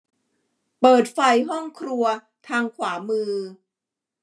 เปิดไฟห้องครัวทางขวามือ